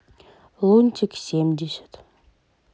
лунтик семьдесят